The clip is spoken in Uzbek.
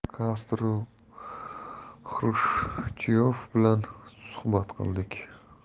kastro xrushchyov bilan suhhbat qildik